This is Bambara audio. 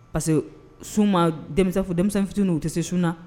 Parce que sun ma denmisɛnnin fitinin u tɛ se sun na